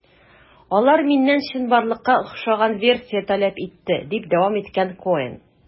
Алар миннән чынбарлыкка охшаган версия таләп итте, - дип дәвам иткән Коэн.